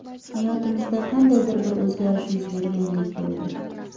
hayotimizda qandaydir bir o'zgarish yuz bergandek bo'ldi